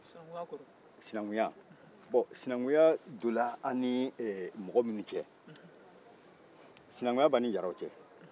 sinakuya bɔn sinakuya donna an ni mɔgɔ minnu cɛ sinakuya b'an ni jaaraw cɛ